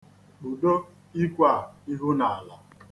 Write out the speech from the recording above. Kpudo ikwe a ihu n'ala.